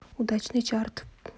удачный чарт